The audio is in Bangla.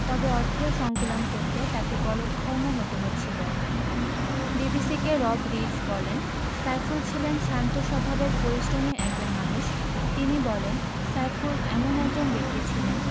তবে অর্থের সংকুলান করতে তাঁকে গলদঘর্ম হতে হচ্ছিল বিবিসিকে রব রিজ বলেন সাইফুল ছিলেন শান্ত স্বভাবের পরিশ্রমী একজন মানুষ তিনি বলেন সাইফুল এমন একজন ব্যক্তি ছিলেন